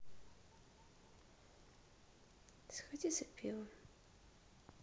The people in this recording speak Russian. сходи за пивом